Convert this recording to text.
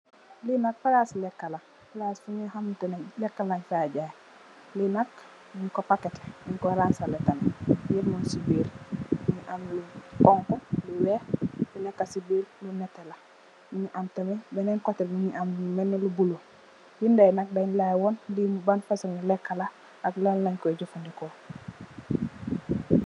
Lii nak plassi lehkah la, plass bii nga hamanteh neh lehkah len fai jaii, lii nak njung kor packeteh, njung kor raanzaleh tamit, yhep mung cii birr, mungy am lu khonku, lu wekh, lu neka cii birr lu nehteh la, mungy am tamit benen coteh bii mungy am lu melni lu blue, binda yii nak denn lai won lii ban fasoni lehkah la ak lan lehn koi jeufandehkor.